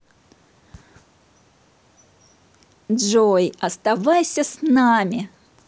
джой оставайся с нами